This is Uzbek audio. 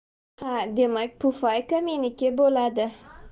ha demak pufayka meniki bo'ladi